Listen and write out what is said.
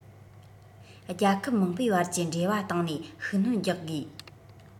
རྒྱལ ཁབ མང པོའི བར གྱི འབྲེལ བ སྟེང ནས ཤུགས སྣོན རྒྱག དགོས